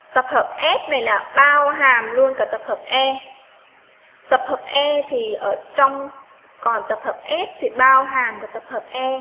tập hợp n bao hàm luôn cả tập hợp e tập hợp e thì ở trong còn tập hợp s thì bao hàm của tập hợp a